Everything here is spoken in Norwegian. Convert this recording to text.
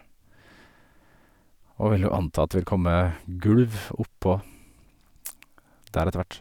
Og vil jo anta at det vil komme gulv oppå der etter hvert.